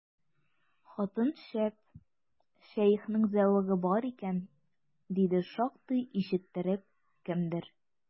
Хатын шәп, шәехнең зәвыгы бар икән, диде шактый ишеттереп кемдер.